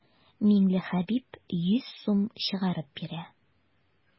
Миңлехәбиб йөз сум чыгарып бирә.